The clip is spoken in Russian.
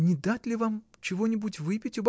— Не дать ли вам чего-нибудь выпить?